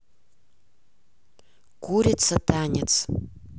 курица танец